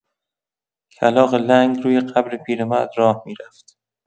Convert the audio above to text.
کلاغ لنگ روی قبر پیرمرد راه می‌رفت.